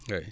oui